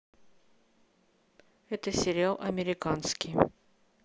это сериал американский